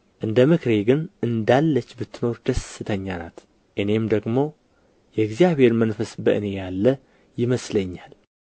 እንደ ምክሬ ግን እንዳለች ብትኖር ደስተኛ ናት እኔም ደግሞ የእግዚአብሔር መንፈስ በእኔ ያለ ይመስለኛል